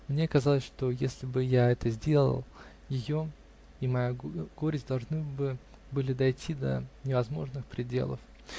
Мне казалось, что, если бы я это сделал, ее и моя горесть должны бы были дойти до невозможных пределов.